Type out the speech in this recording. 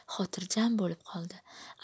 xotiijam bo'lib qoldi